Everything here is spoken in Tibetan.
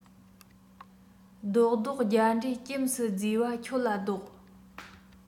བཟློག བཟློག རྒྱ འདྲེ སྐྱེམས སུ བརྫུས པ ཁྱོད ལ བཟློག